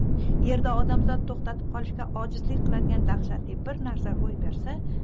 yerda odamzot toxtatib qolishga ojizlik qiladigan dahshatli bir hodisa roy bersa